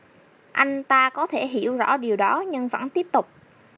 anh ta có thể hiểu rõ điều đó nhưng vẫn tiếp tục